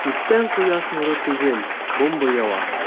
Күктән кояш нуры түгел, бомба ява.